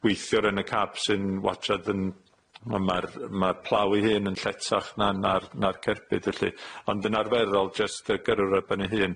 weithiwr yn y cab sy'n watshiad yn ma' ma'r ma'r plough ei hun yn lletach na na'r na'r cerbyd felly ond yn arferol jyst yy gyrrwr ar ben ei hun.